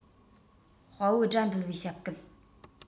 དཔའ བོ དགྲ འདུལ བའི ཞབས བསྐུལ